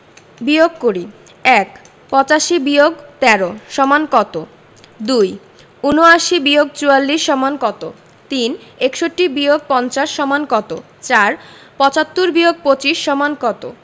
বিয়োগ করিঃ ১ ৮৫-১৩ = কত ২ ৭৯-৪৪ = কত ৩ ৬১-৫০ = কত ৪ ৭৫-২৫ = কত